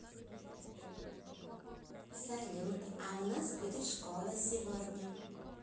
салют а у нас будет школа сегодня